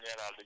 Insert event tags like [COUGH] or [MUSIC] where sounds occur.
[HESITATION] [HESITATION]